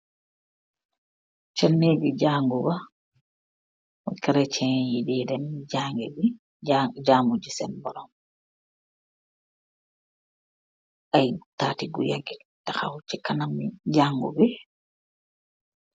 Si nekeh Jamuh laah, fu christian dey dem jamujeh ,jamujeh senn borom ayy tatii kui nukek tahaw si kanami Jamubi.